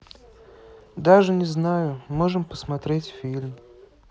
даже не знаю можем посмотреть фильм